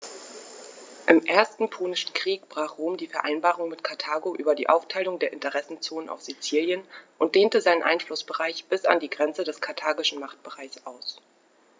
Im Ersten Punischen Krieg brach Rom die Vereinbarung mit Karthago über die Aufteilung der Interessenzonen auf Sizilien und dehnte seinen Einflussbereich bis an die Grenze des karthagischen Machtbereichs aus.